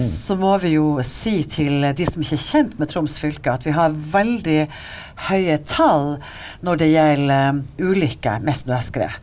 så må vi jo si til de som ikke er kjent med Troms fylke at vi har veldig høye tall når det gjelder ulykker med snøskred.